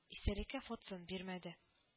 Исәлеккә фотосын бирмәде